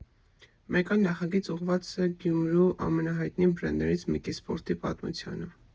Մեկ այլ նախագիծ ուղղված է Գյումրու ամենահայտնի բրենդներից մեկին՝ սպորտի պատմությանը.